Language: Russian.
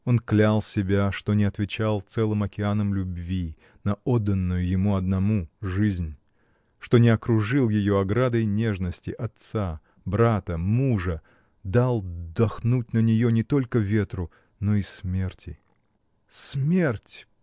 Он клял себя, что не отвечал целым океаном любви на отданную ему одному жизнь, что не окружил ее оградой нежности отца, брата, мужа, дал дохнуть на нее не только ветру, но и смерти. “Смерть!